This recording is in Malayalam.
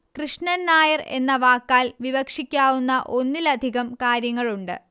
കൃഷ്ണൻ നായർ എന്ന വാക്കാൽ വിവക്ഷിക്കാവുന്ന ഒന്നിലധികം കാര്യങ്ങളുണ്ട്